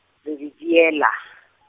Zebediela.